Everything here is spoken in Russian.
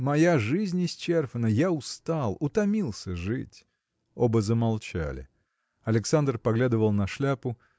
моя жизнь исчерпана; я устал, утомился жить. Оба замолчали. Александр поглядывал на шляпу